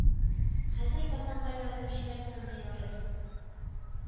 Хәзер Казанга язып җибәрсәң дә ярый